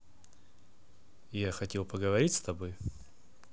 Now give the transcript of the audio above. я хотел поговорить с тобой